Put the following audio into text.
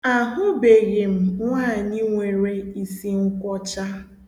Ahụbeghị m nwaanyị nwere isi nkwọcha.